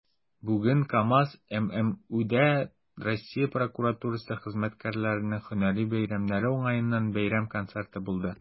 Бүген "Казан" ММҮдә Россия прокуратурасы хезмәткәрләренең һөнәри бәйрәмнәре уңаеннан бәйрәм концерты булды.